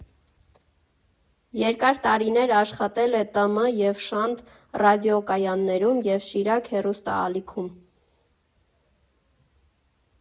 Երկար տարիներ աշխատել է «ՏՄ» և «Շանթ» ռադիոկայաններում և «Շիրակ» հեռուստաալիքում։